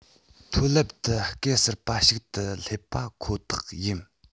མཐོ རླབས དུས སྐབས གསར པ ཞིག ཏུ སླེབས པ ཁོ ཐག ཡིན